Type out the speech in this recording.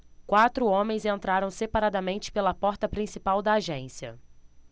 quatro homens entraram separadamente pela porta principal da agência